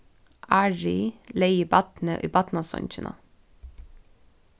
ari legði barnið í barnasongina